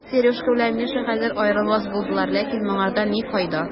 Сережка белән Миша хәзер аерылмас булдылар, ләкин моңардан ни файда?